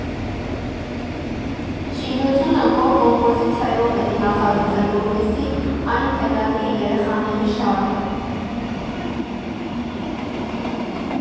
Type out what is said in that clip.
Շինությունը կոր կոմպոզիցիայով ենք նախագծել, որպեսզի այն թելադրի երեխաների շարժը։